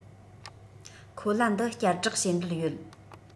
ཁོ ལ འདི བསྐྱར བསྒྲགས བྱེད འདོད ཡོད